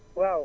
waaw